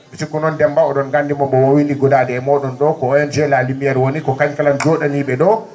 mi sikku noon Demmba o?on ganndi mbo mbo woowii liggodaade he moo?on ?oo ko ONG la :fa lumiére mbo woni ko kañ kala joo?anii ?e ?oo